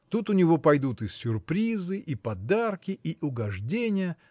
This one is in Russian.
Тут у него пойдут и сюрпризы, и подарки, и угождения